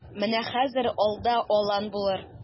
Менә хәзер алда алан булыр.